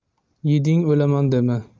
yeding o'laman dema